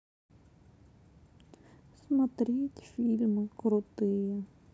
смотреть фильмы крутые